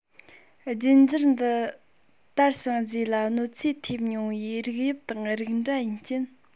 རྒྱུད འགྱུར འདི དར ཞིང རྒྱས ལ གནོད འཚེ ཐེབས ཉུང བའི རིགས དབྱིབས དང རིགས འདྲ ཡིན རྐྱེན